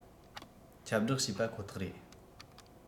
ཁྱབ བསྒྲགས བྱས པ ཁོ ཐག རེད